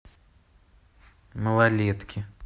малолетки